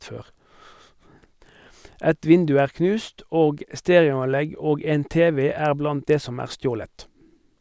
Et vindu er knust, og stereoanlegg og en tv er blant det som er stjålet.